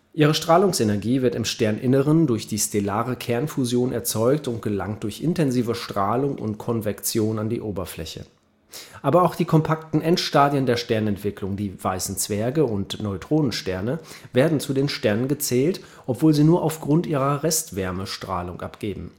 Ihre Strahlungsenergie wird im Sterninnern durch die stellare Kernfusion erzeugt und gelangt durch intensive Strahlung und Konvektion an die Oberfläche. Aber auch die kompakten Endstadien der Sternentwicklung wie Weiße Zwerge und Neutronensterne werden zu den Sternen gezählt, obwohl sie nur aufgrund ihrer Restwärme Strahlung abgeben